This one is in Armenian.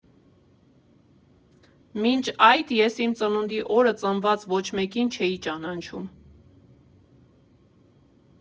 Մինչ այդ ես իմ ծնունդի օրը ծնված ոչ մեկին չէի ճանաչում։